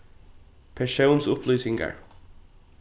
persónsupplýsingar